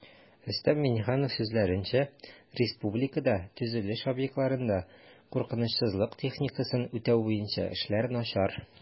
Рөстәм Миңнеханов сүзләренчә, республикада төзелеш объектларында куркынычсызлык техникасын үтәү буенча эшләр начар